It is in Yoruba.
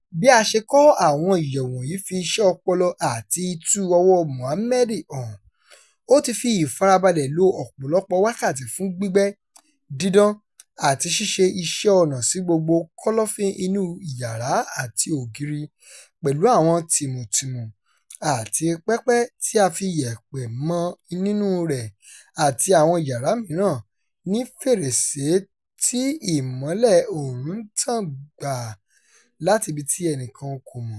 Bí a ṣe kọ́ àwọn ìyẹ̀wù wọ̀nyí fi iṣẹ́ ọpọlọ àti itú ọwọ́ọ Mohammed hàn – ó ti fi ìfarabalẹ̀ lọ ọ̀pọ̀lọpọ̀ wákàtí fún gbígbẹ́, dídán, àti ṣíṣe iṣẹ́ ọnà sí gbogbo kọ́lọ́fín inú iyàrá àti ògiri, pẹ̀lú àwọn tìmùtìmù, àti pẹpẹ tí a fi iyẹ̀pẹ̀ mọ nínúu rẹ̀, tí àwọn yàrá mìíràn ní fèrèsé tí ìmọ́lẹ̀ oòrùn ń tàn gbà láti ibi tí ẹnìkan kò mọ̀.